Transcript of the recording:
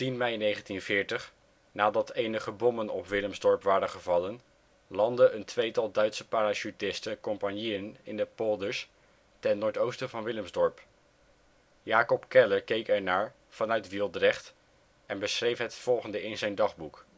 mei 1940 - nadat enige bommen op Willemsdorp waren gevallen - landde een tweetal Duitse parachutisten compagnieën in de polders ten noordoosten van Willemsdorp. Jacob Keller kijkt ernaar vanuit Wieldrecht beschrijft het volgende in zijn dagboek